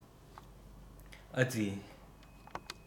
ཨ ཙི